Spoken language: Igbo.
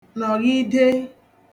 nọ̀ghide